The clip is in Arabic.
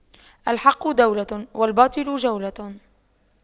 الحق دولة والباطل جولة